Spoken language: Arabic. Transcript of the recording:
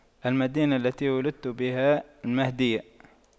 المدينة التي ولدت بها المهدية